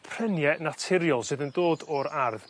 prenie naturiol sydd yn dod o'r ardd